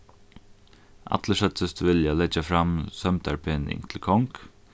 allir søgdust vilja leggja fram sømdarpening til kong